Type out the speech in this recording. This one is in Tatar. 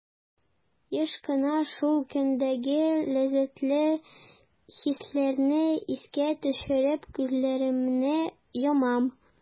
Еш кына шул көндәге ләззәтле хисләрне искә төшереп, күзләремне йомам.